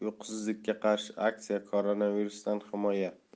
uyqusizlikka qarshi aksiya koronavirusdan himoya